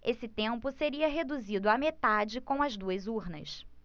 esse tempo seria reduzido à metade com as duas urnas